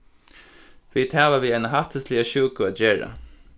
vit hava við eina hættisliga sjúku at gera